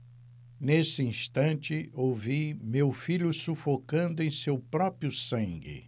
nesse instante ouvi meu filho sufocando em seu próprio sangue